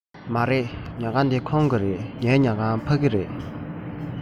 མ རེད ཉལ ཁང འདི ཁོང གི རེད ངའི ཉལ ཁང ཕ གི རེད